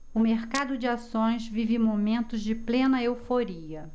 o mercado de ações vive momentos de plena euforia